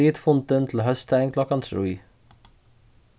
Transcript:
flyt fundin til hósdagin klokkan trý